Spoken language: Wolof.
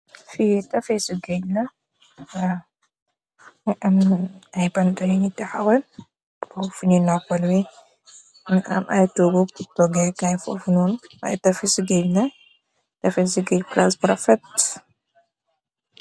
Fi tefessu gaage la waw mogi ameh ay banta nyun taxawal fo nyui nopale mogi am ay togu togeh kai fofu nonu y tefessu gaage la tefessu gaage palac bu refet.